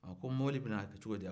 a ko mobili bɛna kɛ cogodi